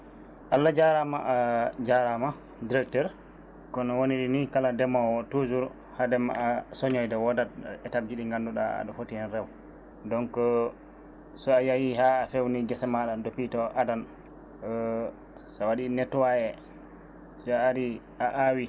Allah jarama a jarama directeur kono wonirir ni kala ndemowo toujours haade ma soñoyde woodat étapes ji ɗi gannduɗa aɗa footi heen reew donc so a yeehi haa fewni geese maɗa depuis to adana sa waɗi netoiyé si a aari a awi